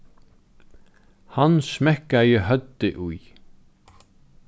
hann smekkaði høvdið í